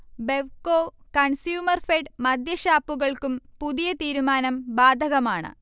ബെവ്കോ, കൺസ്യൂമർഫെഡ് മദ്യഷാപ്പുകൾക്കും പുതിയ തീരുമാനം ബാധകമാണ്